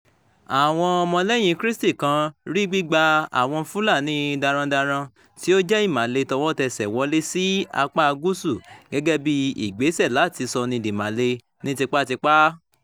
Àwọn Ọmọ-lẹ́yìn-in-krístì kan “rí gbígba àwọn Fulani darandaran tí ó jẹ́ Ìmàle tọwọ́tẹsẹ̀ wọlé sí apáa gúúsù gẹ́gẹ́ bíi ìgbésẹ̀ láti 'Sọnidìmàlè' ní tipátipá.